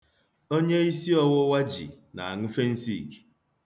Onye isiọwụwa ji na-aṅụ Fensiiki.